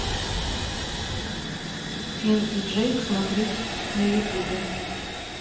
фин и джейк смотреть на ютубе